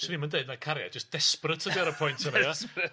Swn i'm yn deud na cariad jyst desperate ydi o ar y point yna ia? Desperate.